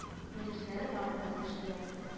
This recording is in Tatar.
Мәҗлесләре тагы да көлештеләр